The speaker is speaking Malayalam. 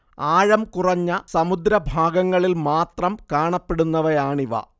ആഴംകുറഞ്ഞ സമുദ്രഭാഗങ്ങളിൽ മാത്രം കാണപ്പെടുന്നവയാണിവ